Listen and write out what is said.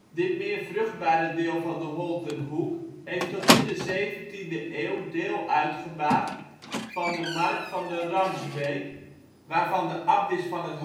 Dit meer vruchtbare deel van de Holterhoek heeft tot in de 17e eeuw deel uitgemaakt van de mark van de Ramsbeek, waarvan de abdis van het